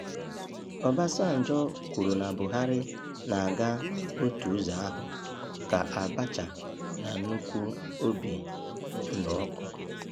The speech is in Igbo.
Obasanjo kwuru na Buhari na-aga "otu ụzọ ahụ" ka Abacha "na nnukwu obi nnụọkụ"